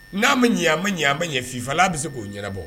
N'a bɛ ɲɛ an ma ɲɛ an bɛ ɲɛfa' bɛ se k'o ɲɛnabɔ